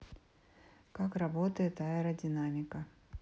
как работает аэродинамика